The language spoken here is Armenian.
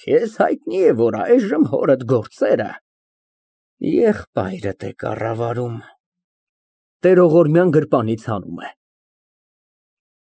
Քեզ հայտնի է, որ այժմ հորդ գործերը եղբայրդ է կառավարում։ (Տեղողորմյան գրպանից հանում է)։